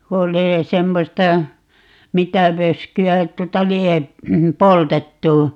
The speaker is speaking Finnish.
kun oli semmoista mitä vöskyä tuota lie poltettu